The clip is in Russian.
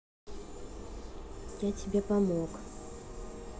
я тебе помогу